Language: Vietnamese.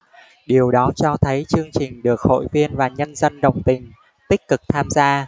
điều đó cho thấy chương trình được hội viên và nhân dân đồng tình tích cực tham gia